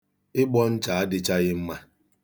Ịgbọ ncha adịchaghị mma.